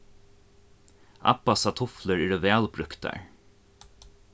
abbasa tuflur eru væl brúktar